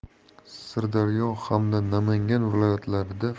sirdaryo hamda namangan viloyatlarida